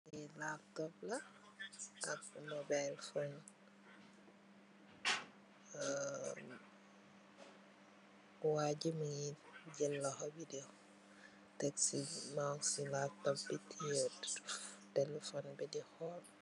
Amb tablala bou am tellephon wagii mugi teck loho ci kawam